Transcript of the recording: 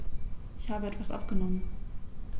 Ich habe etwas abgenommen.